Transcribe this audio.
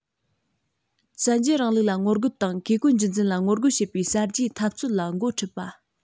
བཙན རྒྱལ རིང ལུགས ལ ངོ རྒོལ དང བཀས བཀོད རྒྱུད འཛིན ལ ངོ རྒོལ བྱེད པའི གསར བརྗེའི འཐབ རྩོད ལ འགོ ཁྲིད པ